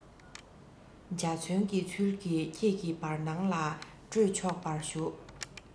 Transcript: འཇའ ཚོན གྱི ཚུལ གྱིས ཁྱེད ཀྱི བར སྣང ལ སྤྲོས ཆོག པར ཞུ